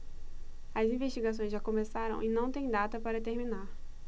as investigações já começaram e não têm data para terminar